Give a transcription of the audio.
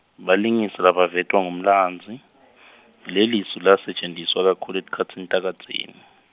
balingiswa labavetwa ngumlandzi , lelisu lalisetjentiswa kakhulu etikhatsini takadzeni.